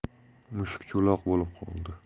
mushuk cho'loq bo'lib qoldi